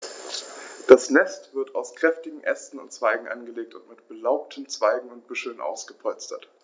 Das Nest wird aus kräftigen Ästen und Zweigen angelegt und mit belaubten Zweigen und Büscheln ausgepolstert.